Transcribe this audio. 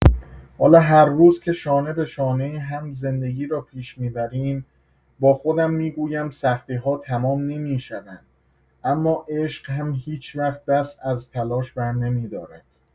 حالا هر روز که شانه‌به‌شانه هم زندگی را پیش می‌بریم، با خودم می‌گویم سختی‌ها تمام نمی‌شوند اما عشق هم هیچ‌وقت دست از تلاش برنمی‌دارد.